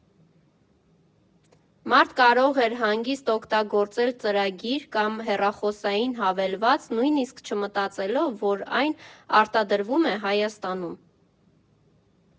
Մարդ կարող էր հանգիստ օգտագործել ծրագիր կամ հեռախոսային հավելված՝ նույնիսկ չմտածելով, որ այն արտադրվում է Հայաստանում։